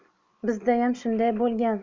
bizdayam shundoq bo'lgan